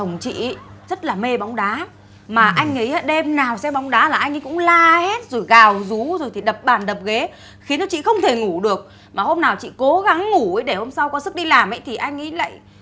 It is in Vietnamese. chồng chị ý rất là mê bóng đá mà anh ấy đêm nào xem bóng đá là anh ấy cũng la hét rồi gào rú rồi đập bàn đập ghế khiến cho chị không thể ngủ được mà hôm nào chị cố gắng ngủ ý để hôm sau có sức đi làm ý thì anh ý lại